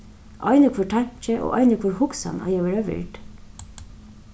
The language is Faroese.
ein og hvør tanki og ein og hvør hugsan eiga at verða vird